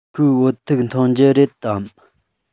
ཁོས བོད ཐུག འཐུང རྒྱུ རེད དམ